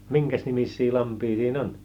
minkäsnimisiä lampia siinä on